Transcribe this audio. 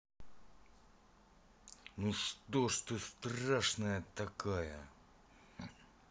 ну что ж ты страшная такая